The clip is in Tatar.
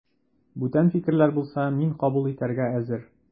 Бүтән фикерләр булса, мин кабул итәргә әзер.